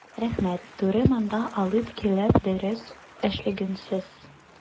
Рәхмәт, туры монда алып килеп дөрес эшләгәнсез.